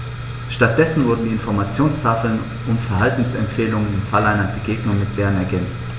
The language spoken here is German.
Stattdessen wurden die Informationstafeln um Verhaltensempfehlungen im Falle einer Begegnung mit dem Bären ergänzt.